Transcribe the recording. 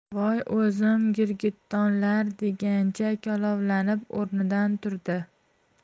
voy o'zim girgittonlar degancha kalovlanib o'rnidan turdi